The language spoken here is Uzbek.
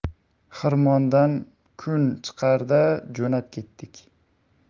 xirmondan kun chiqarda jo'nab ketdik